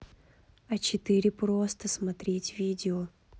а четыре просто смотреть видео